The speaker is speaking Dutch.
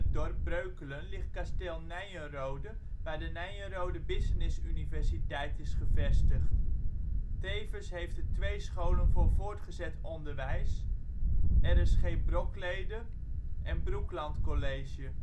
dorp Breukelen ligt kasteel Nijenrode waar de Nyenrode Business Universiteit is gevestigd. Tevens heeft het twee scholen voor voortgezet onderwijs: RSG Broklede (HAVO/VWO) en Broekland College